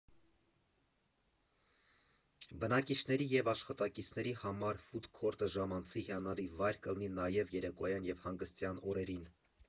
Բնակիչների և աշխատակիցների համար ֆուդ֊քորթը ժամանցի հիանալի վայր կլինի նաև երեկոյան և հանգստյան օրերին։